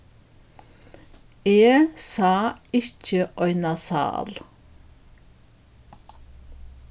eg sá ikki eina sál